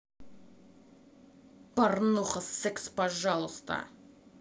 порнуха секс пожалуйста